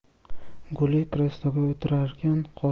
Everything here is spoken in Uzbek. guli kresloga o'tirarkan qoshini chimirdi